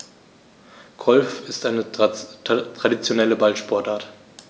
Golf ist eine traditionelle Ballsportart.